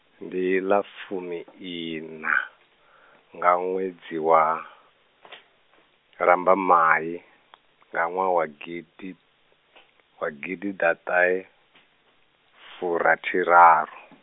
ndi ḽa fumiiṋa, nga ṅwedzi wa, ḽambamai, nga ṅwaha wa gidi, wa gidiḓaṱahefurathiraru.